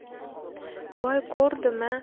voy ko'rdim a